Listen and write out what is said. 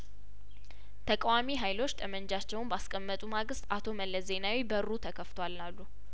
ተቃዋሚ ሀይሎች ጠመንጃቸውን ባስቀመጡ ማግስት አቶ መለስ ዜናዊ በሩ ተከፍቷል አሉ